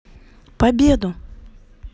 победу